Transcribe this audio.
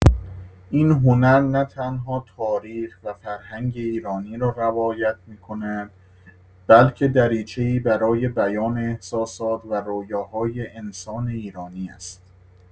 این هنر نه‌تنها تاریخ و فرهنگ ایرانی را روایت می‌کند، بلکه دریچه‌ای برای بیان احساسات و رؤیاهای انسان ایرانی است.